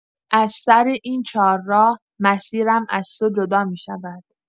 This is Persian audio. از سر این چهارراه، مسیرم از تو جدا می‌شود.